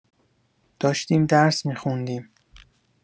داشتیم درس می‌خوندیم.